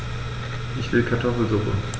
Ich will Kartoffelsuppe.